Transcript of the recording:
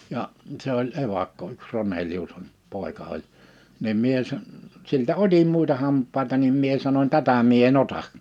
ja se oli evakko yksi Ronelius on poika oli niin minä - siltä otin muita hampaita niin minä sanoin tätä minä en ota